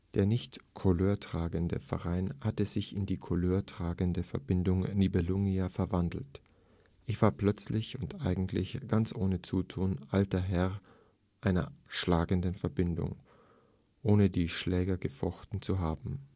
Der nicht couleurtragende Verein hatte sich in die couleurtragende Verbindung ‚ Nibelungia ‘verwandelt. Ich war plötzlich und eigentlich ganz ohne Zutun ‚ Alter Herr ‘einer schlagenden Verbindung, ohne je Schläger gefochten zu haben